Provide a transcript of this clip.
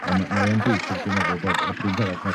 A ma' mae e'n bwysig, dwi'n meddwl, bod y pwynt arall nath...